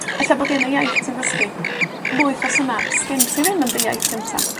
Ella bo' gen y iaith ti'n ddysgu lwyth o syna 'sgen ti ddim yn dy iaith gynta.